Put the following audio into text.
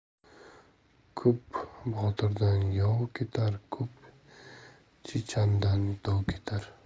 ko'p botirdan yov ketar ko'p chechandan dov ketar